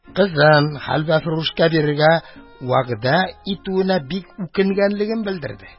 Кызын хәлвәфрүшкә бирергә вәгъдә итүенә бик үкенгәнлеген белдерде.